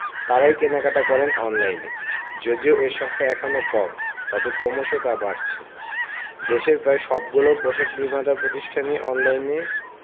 তারাই কেনাকাটা করেন অনলাইনে যদিও এ সংখ্যা এখনো কম তবে ক্রমশ তা বাড়ছে দেশি প্রায় সবগুলো পোশাক নির্মাতা প্রতিষ্ঠানই অনলাইনে